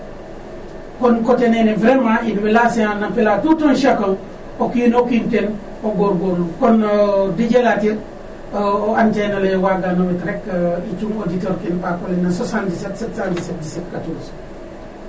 Kon coté nene vraiment in way lancer a un appel a tout en chaqu'un .O kiin o kiin ten a goorgoorlu kon Dj Latir o antenne ole waagano wet rek i cung auditeur ke ɓaak ole na 777171714 .